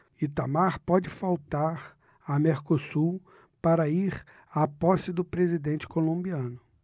itamar pode faltar a mercosul para ir à posse do presidente colombiano